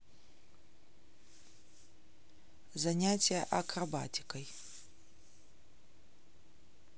занятия акробатикой